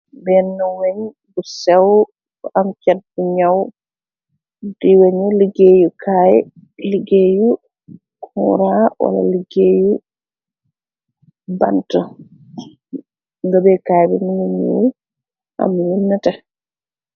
Benen wënn bu sèw bu am chat bu nëw. Di wënn nu ligèyèkaay, ligèyè yu Kura wala ligèyè yu bant ganbèkaay bi mungi ñuul am lu nètè.